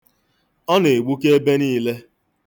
Ọ na-eguke ebe niile.